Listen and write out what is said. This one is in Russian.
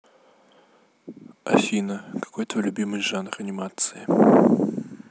афина какой твой любимый жанр анимации